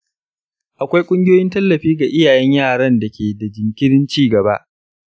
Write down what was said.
akwai ƙungiyoyin tallafi ga iyayen yaran da ke da jinkirin ci gaba.